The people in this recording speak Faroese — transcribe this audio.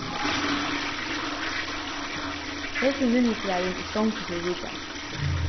hesin minnisvarðin er stongdur fyri vitjandi